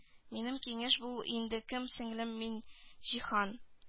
Минем киңәш шул инде кем сеңлем миңҗиһан